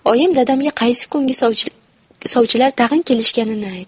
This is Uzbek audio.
oyim dadamga qaysi kungi sovchilar tag'in kelishganini aytdi